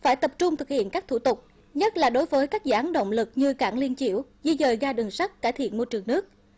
phải tập trung thực hiện các thủ tục nhất là đối với các giảng động lực như cảng liên chiểu di dời ga đường sắt cải thiện môi trường nước